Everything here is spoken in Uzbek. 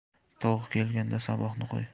tovoq kelganda saboqni qo'y